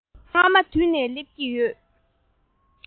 རྔ མ དུད ནས སླེབས ཀྱི ཡོད